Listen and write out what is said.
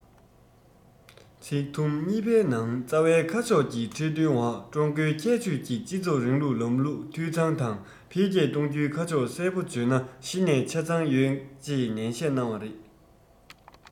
ཚིག དུམ གཉིས པའི ནང རྩ བའི ཁ ཕྱོགས ཀྱི ཁྲིད སྟོན འོག ཀྲུང གོའི ཁྱད ཆོས ཀྱི སྤྱི ཚོགས རིང ལུགས ལམ ལུགས འཐུས ཚང དང འཕེལ རྒྱས གཏོང རྒྱུའི ཁ ཕྱོགས གསལ པོ བརྗོད ན གཞི ནས ཆ ཚང ཡོད ཅེས ནན བཤད གནང བ རེད